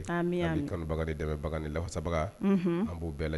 Kanubaga dɛmɛbaga ni lafasabaga an b'o bɛɛ lajɛ